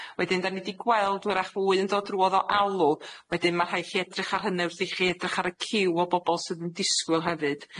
Wedyn 'dan ni 'di gweld 'w'rach fwy yn dod drwodd o alw, wedyn ma' rhai' chi edrych ar hynny wrth i chi edrych ar y ciw o bobol sydd yn disgwyl hefyd.